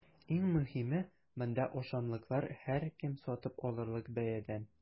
Иң мөһиме – монда ашамлыклар һәркем сатып алырлык бәядән!